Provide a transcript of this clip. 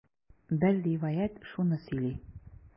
Бер риваять шуны сөйли.